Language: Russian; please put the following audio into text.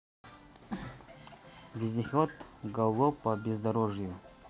вездеход gallo по бездорожью